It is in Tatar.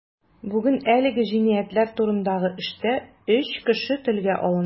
Бүген әлеге җинаятьләр турындагы эштә өч кеше телгә алына.